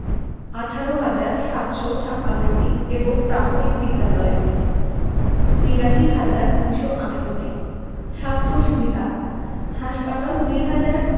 ১৮হাজার ৭৫৬টি এবং প্রাথমিক বিদ্যালয় ৮২হাজার ২১৮টি স্বাস্থ্য সুবিধাঃ হাসপাতাল ২হাজার